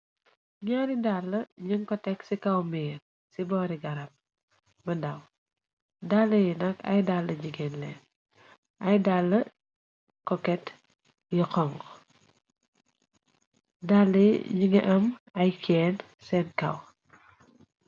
Ñaari dàlla ñën ko teg ci kaw mbiir ci boori garab mëndaw dalla yi nak ay dall jigeen lee ay dalla koket yi xong dalla yi ñi nga am ay kenn seen kaw.